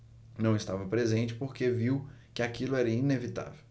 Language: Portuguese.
não estava presente porque viu que aquilo era inevitável